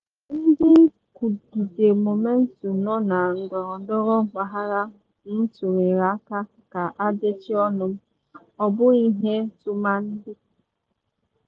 Mgbe ndị nkwụgide Momentum nọ na ndọrọndọrọ mpaghara m tụnyere aka ka adachie ọnụ m, ọ bụghị ihe ntụmadị.